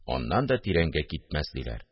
Аннан да тирәнгә китмәс, диләр